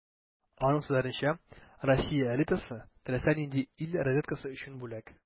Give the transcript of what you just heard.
Аның сүзләренчә, Россия элитасы - теләсә нинди ил разведкасы өчен бүләк.